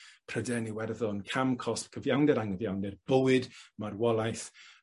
Pryden Iwerddon cam cosb cyfiawnder anghyfiawnder, bywyd marwolaeth,